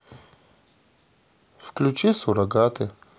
включи суррогаты